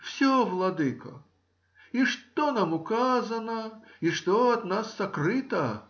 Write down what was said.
— Все, владыко: и что нам указано и что от нас сокрыто.